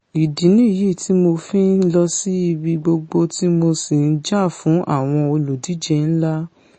Ìdí nìyí tí Mo fi ń lọsí ibi gbogbo tí Mo sì ńjà fún àwọn olùdíje ńlá.''